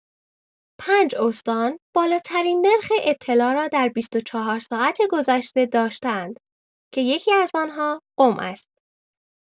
پنج استان بالاترین نرخ ابتلا را در ۲۴ ساعت گذشته داشته‌اند که یکی‌از آنها قم است.